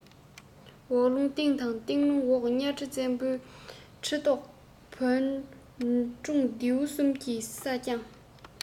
འོག རླུང སྟེང དང སྟེང རླུང འོག གཉའ ཁྲི བཙན པོ ནས ཁྲི ཐོག བོན སྒྲུང ལྡེའུ གསུམ གྱིས བསྐྱངས